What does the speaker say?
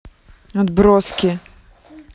отброски